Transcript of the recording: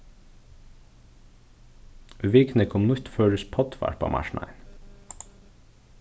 í vikuni kom nýtt føroyskt poddvarp á marknaðin